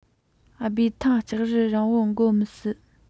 སྤོ ཐུང ལྕགས རི རིང བོར འགོད མི སྲིད